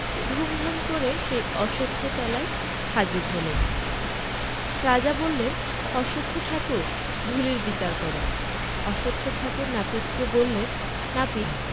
ধুমধাম করে সেই অশ্বত্থতলায় হাজির হলেন রাজা বললেন অশ্বত্থ ঠাকুর ঢুলির বিচার কর অশ্বত্থ ঠাকুর নাপিতকে বললেন নাপিত